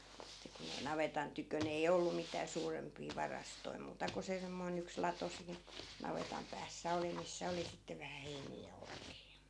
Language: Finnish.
että kun ei navetan tykönä ei ollut mitään suurempia varastoja muuta kuin se semmoinen yksi lato siinä navetan päässä oli missä oli sitten vähän heiniä ja olkia